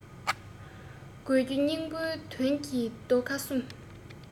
དགོས རྒྱུའི སྙིང པོ དོན གྱི རྡོ ཁ གསུམ